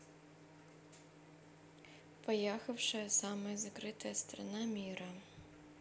поехавший самая закрытая страна мира